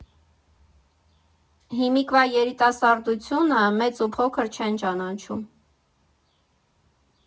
Հիմիկվա երիտասարդությունը մեծ ու փոքր չեն ճանաչում։